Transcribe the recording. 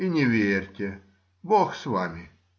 И не верьте; бог с вами!